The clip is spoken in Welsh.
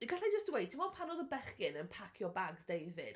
Gallai jyst dweud, timod pan oedd y bechgyn yn pacio bags, David...